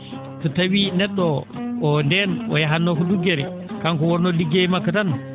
so tawii ne??o o ndeen o yahatnoo ko luggere kanko wonnoo liggey makko tan